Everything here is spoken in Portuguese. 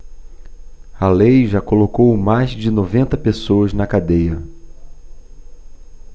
a lei já colocou mais de noventa pessoas na cadeia